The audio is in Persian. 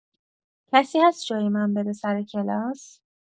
کسی هست جای من بره سر کلاس؟